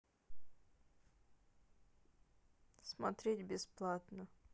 смотреть бесплатно